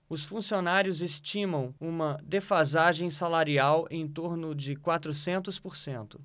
os funcionários estimam uma defasagem salarial em torno de quatrocentos por cento